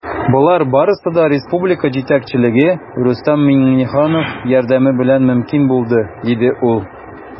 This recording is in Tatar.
Болар барысы да республика җитәкчелеге, Рөстәм Миңнеханов, ярдәме белән мөмкин булды, - диде ул.